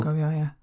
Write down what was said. Dwi'n cofio, ia.